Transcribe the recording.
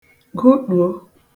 gụṭùo